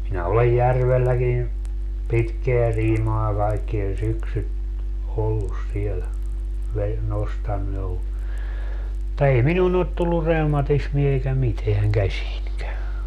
minä olen järvelläkin pitkää siimaa kaikki syksyt ollut siellä - nostanut jo mutta ei minuun ole tullut reumatismia eikä mitään käsiinkään